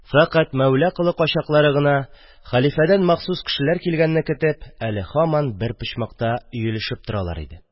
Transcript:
Фәкать Мәүлә Колы качаклары гына, хәлифәдән махсус кешеләр килгәнне көтеп, әле һаман бер почмакта өелешеп торалар иде.